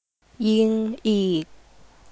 ยิงอีก